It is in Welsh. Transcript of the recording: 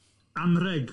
Anrheg.